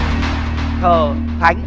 thờ thánh